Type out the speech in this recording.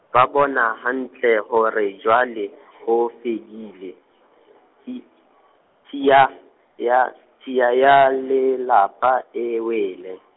ba bona hantle hore jwale, ho fedile, tshi-, tshiya, ya, tshiya ya le lapa e wele.